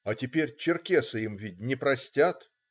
А теперь черкесы им ведь не простят".